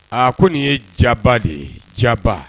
A ko nin ye ja ba de ye ja ba.